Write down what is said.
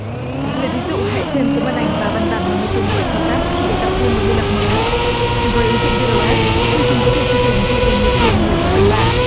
lấy ví dụ hãy xem số màn ảnh và văn bản mà người dùng phải thao tác chỉ để tạo thêm mộti liên lạc mới với ứng dụng rét ô ét người dùng có thể chụp hình thay vì nhập tên người vào danh bạ